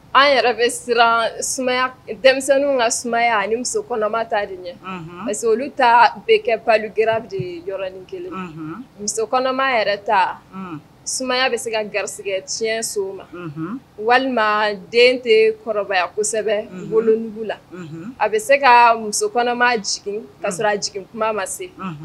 An yɛrɛ siran sumaya denmisɛnninw ka sumaya ani ni muso kɔnɔma ta de ɲɛ olu ta bɛ kɛ pali g de yɔrɔin kelen muso kɔnɔma yɛrɛ sumaya bɛ se ka garisɛgɛ tiɲɛso ma walima den tɛ kɔrɔbaya kosɛbɛ golodugu la a bɛ se ka muso kɔnɔma jigin ka sɔrɔ a jigin kuma ma se